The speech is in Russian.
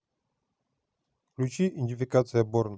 включи идентификация борн